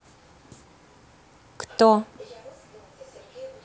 кто